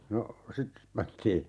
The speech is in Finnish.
no sitten pantiin